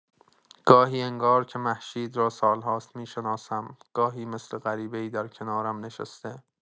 گاهی انگار که مهشید را سال‌هاست می‌شناسم، گاهی مثل غریبه‌ای در کنارم نشسته.